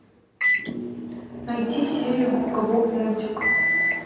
найти серии губка боб мультик